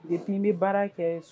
Depuis n bɛ baara kɛ.